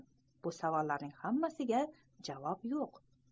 bu savollarning hammasiga javob yo'q